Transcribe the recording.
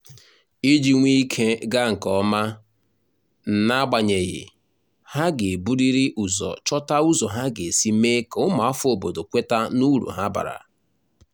Iji nwee ike gaa nkeọma, na-agbanyeghị, ha ga-eburiri ụzọ chọta ụzọ ha ga-esi mee ka ụmụafọ obodo kweta n'uru ha bara.